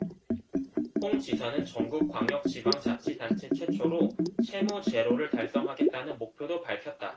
홍 지사는 전국 광역지방자치단체 최초로 채무 제로를 달성하겠다는 목표도 밝혔다